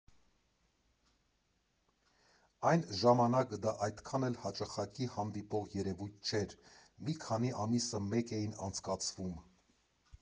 Այն ժամանակ դա այդքան էլ հաճախակի հանդիպող երևույթ չէր, մի քանի ամիսը մեկ էին անցկացվում։